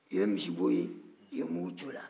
u ye misibow ye u ye mugu ci u la